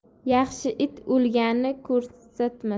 yaxshi it o'ligini ko'rsatmas